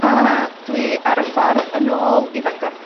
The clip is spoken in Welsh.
A, dwi ar y ffordd yn ôl i Fangor.